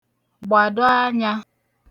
gbàdo anyā